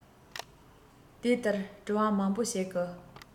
དེ ལྟར དྲི བ མང པོ ཞིག གི